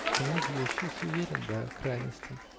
К тому же я еще и суеверен до крайности